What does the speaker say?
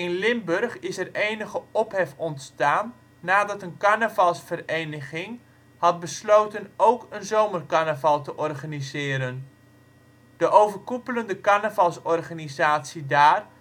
Limburg is er enige ophef ontstaan nadat een Carnavalsvereniging had besloten ook een Zomercarnaval te organiseren. De overkoepelende Carnavalsorganisatie daar